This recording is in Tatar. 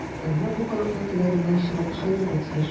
Әмма бу халыкның теләгеннән чыгып эшләнергә тиеш.